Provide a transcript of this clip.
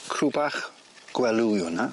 Crw Bach Gwelw yw wnna.